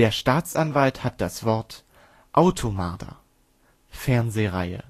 Staatsanwalt hat das Wort: Automarder (Fernsehreihe